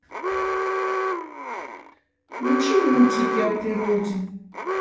включи мультики о природе